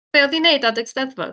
Be oedd hi'n wneud adeg 'Steddfod?